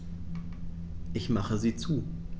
Ich mache sie zu.